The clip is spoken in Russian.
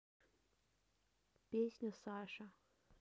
песня саша